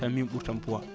tan min ɓuratamo poids